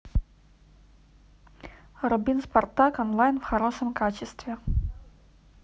рубин спартак онлайн в хорошем качестве